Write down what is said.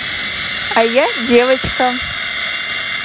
а я девочка